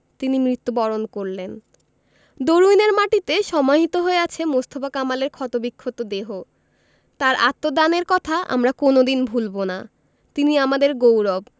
তিনি মৃত্যুবরণ করলেন দরুইনের মাটিতে সমাহিত হয়ে আছে মোস্তফা কামালের ক্ষতবিক্ষত দেহ তাঁর আত্মদানের কথা আমরা কোনো দিন ভুলব না তিনি আমাদের গৌরব